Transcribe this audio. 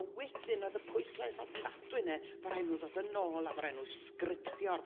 A wedyn o'dd y pwyslais ofnadwy 'ne bo' rai nhw ddod yn ôl a bo' rai nhw sgriptio'r